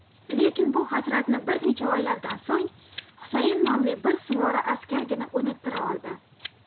lekin bu hasratni bir necha oylardan so'ng husayn nomli bir suvori askargina unuttira oldi